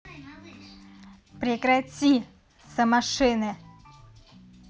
прекрати самошины